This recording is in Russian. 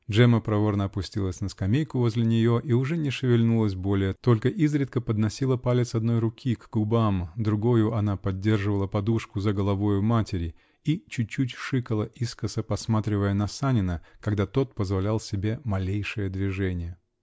Джемма проворно опустилась на скамейку возле нее и уже не шевельнулась более, только изредка подносила палец одной руки к губам -- другою она поддерживала подушку за головою матери -- и чуть-чуть шикала, искоса посматривая на Санина, когда тот позволял себе малейшее движение.